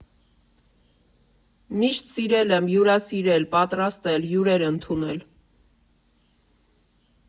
Միշտ սիրել եմ հյուրասիրել, պատրաստել, հյուրեր ընդունել։